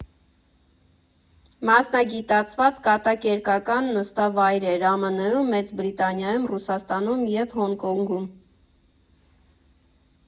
Մասնագիտացված կատակերգական նստավայրեր՝ ԱՄՆ֊ում, Մեծ Բրիտանիայում, Ռուսաստանում և Հոնկոնգում։